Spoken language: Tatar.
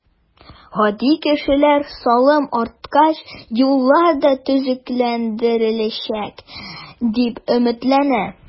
Гади кешеләр салым арткач, юллар да төзекләндереләчәк, дип өметләнә.